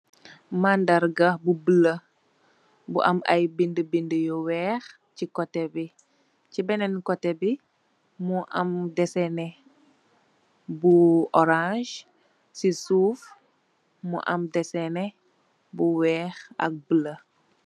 Mandarga bulo, bu am ay bind-bind yu weeh chi kotè bi. Chi benen kotè bi mu am dèsènè bu orance. Ci suuf mu am dèsènè bu weeh ak bulo.